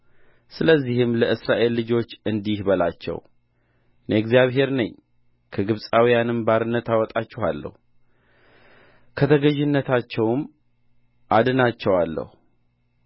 ስለዚህም ለእስራኤል ልጆች እንዲህ በላቸው እኔ እግዚአብሔር ነኝ ከግብፃውያንም ባርነት አወጣችኋለሁ ከተገዥነታቸውም አድናችኋለሁ